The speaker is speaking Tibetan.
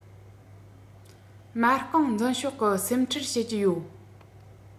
མ རྐང འཛིན ཤོག གི སེམས ཁྲལ བྱེད ཀྱིན ཡོད